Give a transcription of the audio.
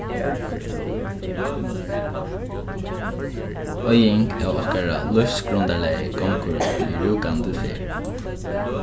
oyðing av okkara lívsgrundarlagi gongur við rúkandi ferð